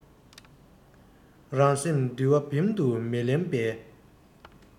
རང སེམས འདུལ བ འབེམ དུ མི ལེན པའི